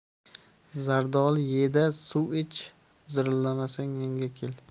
zardoli ye da suv ich zirillamasang menga kel